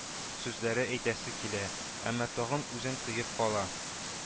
Сүзләре әйтәсе килә, әмма тагын үзен тыеп кала